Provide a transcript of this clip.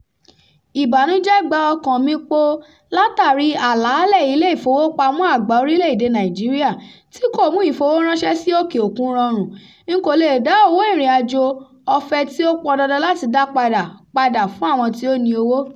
Ìbànújẹ́ gba ọkàn mi poo látàríi àlàálẹ̀ Ilé-Ìfowópamọ́ Àgbà orílẹ̀-èdè Nàìjíríà tí kò mú ìfowó ránṣẹ́ sí òkè òkun rọrùn; n kò le è dá owó ìrìnàjò ọ̀fẹ́ tí ó pọn dandan láti dá padà padà fún àwọn tí ó ni owó.